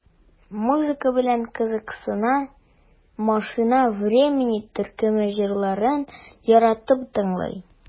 Музыка белән кызыксына, "Машина времени" төркеме җырларын яратып тыңлый.